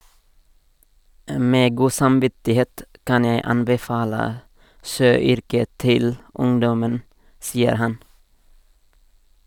- Med god samvittighet kan jeg anbefale sjøyrket til ungdommen, sier han.